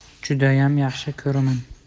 judayam yaxshi ko'raman